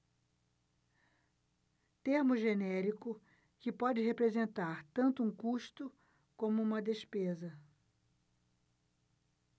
termo genérico que pode representar tanto um custo como uma despesa